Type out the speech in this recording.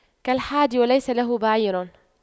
كالحادي وليس له بعير